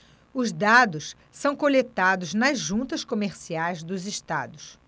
os dados são coletados nas juntas comerciais dos estados